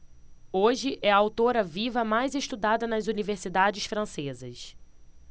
hoje é a autora viva mais estudada nas universidades francesas